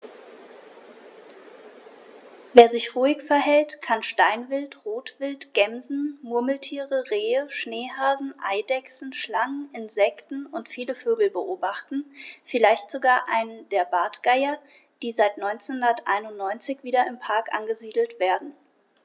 Wer sich ruhig verhält, kann Steinwild, Rotwild, Gämsen, Murmeltiere, Rehe, Schneehasen, Eidechsen, Schlangen, Insekten und viele Vögel beobachten, vielleicht sogar einen der Bartgeier, die seit 1991 wieder im Park angesiedelt werden.